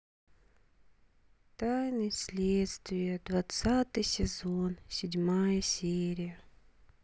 тайны следствия двадцатый сезон седьмая серия